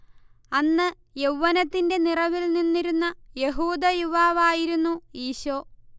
അന്ന് യൗവ്വനത്തിന്റെ നിറവിൽ നിന്നിരുന്ന യഹൂദ യുവാവായിരുന്നു ഈശോ